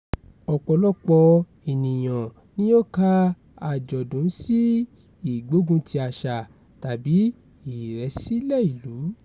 Ọ̀pọ̀lọpọ̀ ènìyàn ni ó ka àjọ̀dún sí "ìgbógunti àṣà" tàbí "ìrẹ̀sílẹ̀ ìlú".